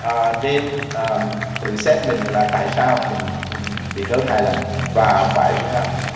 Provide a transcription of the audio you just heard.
nên tự xét mình là tại sao mình mìn bị rớt hai lần và phải a